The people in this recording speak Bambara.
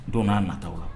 Don n'a nataw la